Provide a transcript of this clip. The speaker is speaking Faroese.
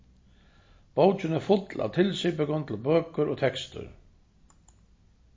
bókin er full av tilsipingum til bøkur og tekstir